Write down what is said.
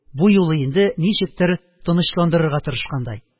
Бу юлы инде ничектер тынычландырырга тырышкандай.